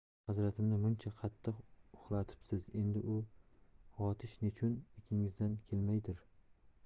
hazratimni muncha qattiq uxlatibsiz endi uy g'otish nechun ilkingizdan kelmaydir